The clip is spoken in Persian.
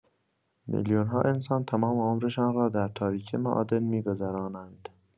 میلیون‌ها انسان تمام عمرشان را در تاریکی معادن می‌گذرانند.